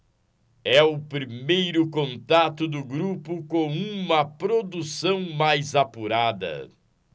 é o primeiro contato do grupo com uma produção mais apurada